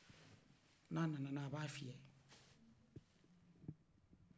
n'a nana n'a ye a b'a fyɛ